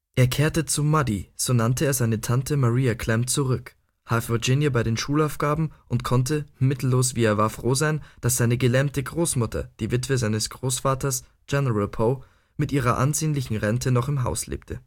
Er kehrte zu „ Muddy “(so nannte er seine Tante Maria Clemm) zurück, half Virginia bei den Schulaufgaben – und konnte, mittellos, wie er war, froh sein, dass seine gelähmte Großmutter, die Witwe seines Großvaters „ General “Poe, mit ihrer ansehnlichen Rente noch im Hause lebte